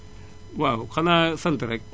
waaw xanaa sant rekk